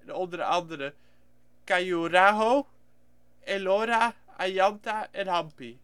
onder andere Khajuraho, Ellora, Ajanta en Hampi